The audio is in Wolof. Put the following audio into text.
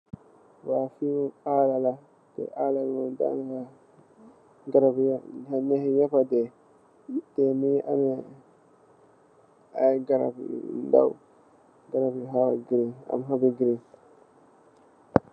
Waw fi alaal alaa bi danaka nhaxi yeeba deey teh mogi ameh ay garab yu ndaw garab yu hawa green ak hoop yu green.